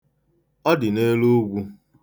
Ọ dị n'elu ugwu.